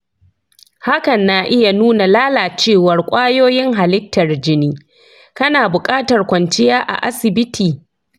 hakan na iya nuna lalacewar kwayoyin halittar jini; kana bukatar kwanciya a asibiti.